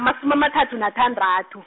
amasumi amathathu nathandathu.